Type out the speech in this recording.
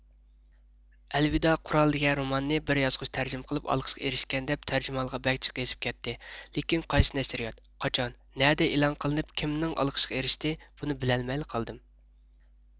ئەلۋىدا قۇرال دىگەن روماننى بىر يازغۇچى تەرجىمە قىلىپ ئالقىشقا ئېرىشكەن دەپ تەرجىمھالىغا بەك جىق يېزىپ كەتتى لېكىن قايسى نەشىرىيات قاچان نەدە ئېلان قىلىپ كىمنىڭ ئالقىشىغا ئېرىشتى بۇنى بىلەلمەيلا قالدىم